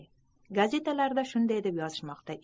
gazetalarda shunday deb yozishmoqda